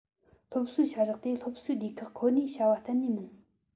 སློབ གསོའི བྱ གཞག དེ སློབ གསོའི སྡེ ཁག ཁོ ནའི བྱ བ གཏན ནས མིན